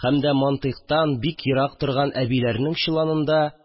Һәм дә мантыйктан бик ерак торган әбиләрнең чоланында